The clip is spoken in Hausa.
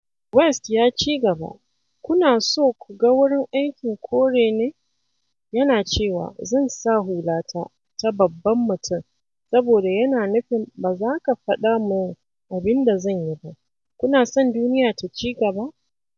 West ya ci gaba: Kuna so ku ga wurin aikin kore ne? yana cewa "zan sa hulata ta babban mutum, saboda yana nufin ba za ka faɗa mun abin da zan yi ba. Kuna son duniya ta ci gaba?